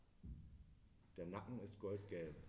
Der Nacken ist goldgelb.